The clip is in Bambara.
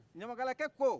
ɲamakalakɛ ko